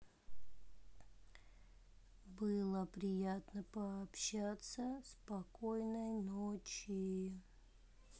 было приятно пообщаться спокойной ночи